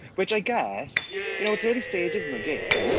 Which I guess, you know it's early stages in the game.